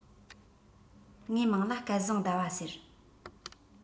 ངའི མིང ལ སྐལ བཟང ཟླ བ ཟེར